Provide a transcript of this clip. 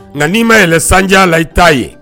Nka'i ma yɛlɛɛlɛn sandiya la i t'a ye